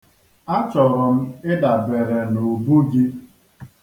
Achọrọ m ịdabere n'ubu gị.